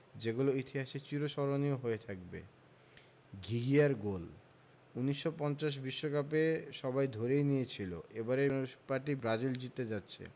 যেগুলো ইতিহাসে চিরস্মরণীয় হয়ে থাকবে ঘিঘিয়ার গোল ১৯৫০ বিশ্বকাপে সবাই ধরেই নিয়েছিল এবারের শিরোপাটি ব্রাজিল জিততে যাচ্ছে